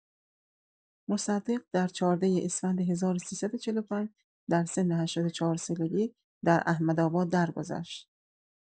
مصدق در ۱۴ اسفند ۱۳۴۵ در سن ۸۴ سالگی در احمدآباد درگذشت.